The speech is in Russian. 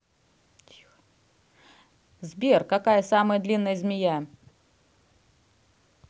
сбер какая самая длинная змея